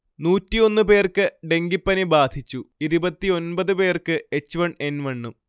നൂറ്റിയൊന്ന് പേർക്ക് ഡെങ്കിപ്പനി ബാധിച്ചു ഇരുപത്തിഒൻപത് പേർക്ക് എച്ച്വൺ എൻവണും